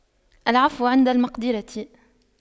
العفو عند المقدرة